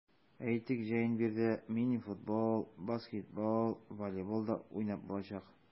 Әйтик, җәен биредә мини-футбол, баскетбол, волейбол да уйнап булачак.